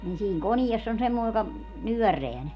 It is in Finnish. niin siinä koneessa on semmoinen joka nyörää ne